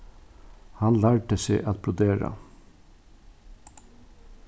hann lærdi seg at brodera